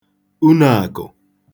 uno àkụ̀